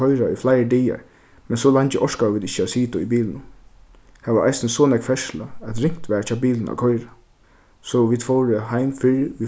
koyra í fleiri dagar men so leingi orkaðu vit ikki at sita í bilinum har var eisini so nógv ferðsla at ringt var hjá bilum at koyra so vit fóru heim fyrr